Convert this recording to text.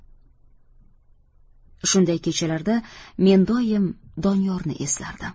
shunday kechalarda men doim doniyorni eslardim